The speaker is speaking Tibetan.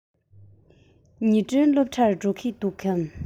ཉི སྒྲོན སློབ གྲྭར འགྲོ གི འདུག གས